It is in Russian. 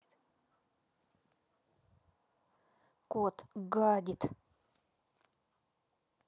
кот гадит